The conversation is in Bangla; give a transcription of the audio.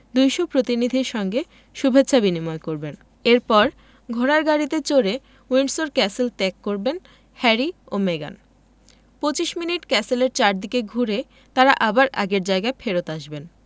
২০০ প্রতিনিধির সঙ্গে শুভেচ্ছা বিনিময় করবেন এরপর ঘোড়ার গাড়িতে চড়ে উইন্ডসর ক্যাসেল ত্যাগ করবেন হ্যারি ও মেগান ২৫ মিনিট ক্যাসেলের চারদিক ঘুরে তাঁরা আবার আগের জায়গায় ফেরত আসবেন